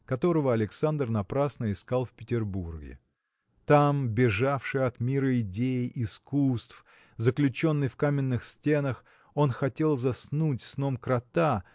которого Александр напрасно искал в Петербурге. Там бежавши от мира идей искусств заключенный в каменных стенах он хотел заснуть сном крота